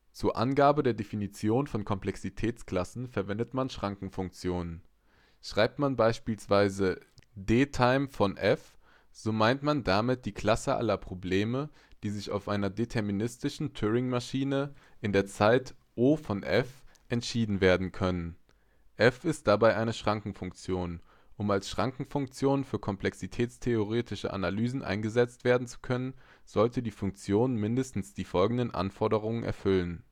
Zur Angabe oder Definition von Komplexitätsklassen verwendet man Schrankenfunktionen. Schreibt man beispielsweise DTIME (f), so meint man damit die Klasse aller Probleme, die auf einer deterministischen Turingmaschine in der Zeit O (f) {\ displaystyle {\ mathcal {O}} (f)} entschieden werden können. f {\ displaystyle f} ist dabei eine Schrankenfunktion. Um als Schrankenfunktion für komplexitätstheoretische Analysen eingesetzt werden zu können, sollte die Funktion mindestens die folgenden Anforderungen erfüllen